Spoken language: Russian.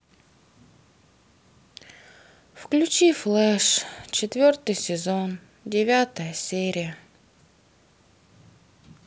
включи флэш четвертый сезон девятая серия